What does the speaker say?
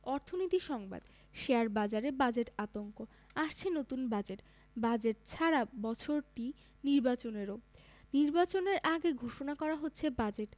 অর্থনীতি সংবাদ শেয়ারবাজারে বাজেট আতঙ্ক আসছে নতুন বাজেট বাজেট ছাড়া বছরটি নির্বাচনেরও নির্বাচনের আগে ঘোষণা করা হচ্ছে বাজেট